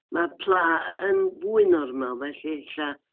Ma' Pla yn fwy normal felly ella.